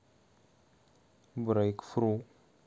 брейк фру